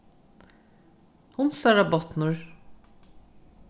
hundsarabotnur